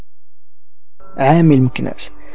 عامل مكناس